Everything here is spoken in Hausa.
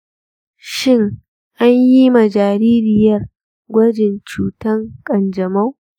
shin anyi ma jaririyar gwajin cutan kanjamau?